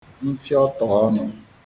nfịọtọ̀ ọnụ